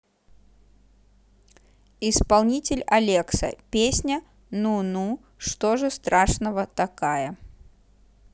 исполнитель алекса песня ну ну что же страшного такая